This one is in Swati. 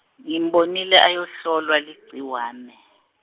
ngimbonile ayowuhlolwa ligciwane.